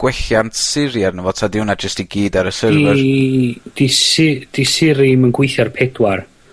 gwelliant Siri arno fo 'ta 'di hwnna i gyd jyst ar y server? 'Di 'di Si- 'di Siri'm yn gweithio ar pedwar.